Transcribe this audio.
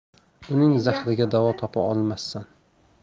uning zahriga davo topa olmassan